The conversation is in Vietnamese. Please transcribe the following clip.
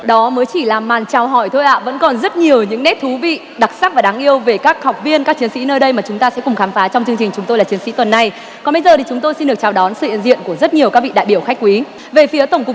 đó mới chỉ là màn chào hỏi thôi ạ vẫn còn rất nhiều những nét thú vị đặc sắc và đáng yêu về các học viên các chiến sĩ nơi đây mà chúng ta sẽ cùng khám phá trong chương trình chúng tôi là chiến sĩ tuần này còn bây giờ chúng tôi xin được chào đón sự hiện diện của rất nhiều các vị đại biểu khách quý về phía tổng cục